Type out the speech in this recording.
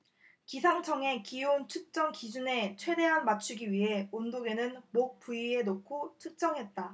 기상청의 기온 측정 기준에 최대한 맞추기 위해 온도계는 목 부위에 놓고 측정했다